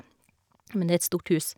Men det er et stort hus.